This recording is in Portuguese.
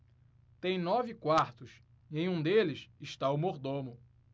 tem nove quartos e em um deles está o mordomo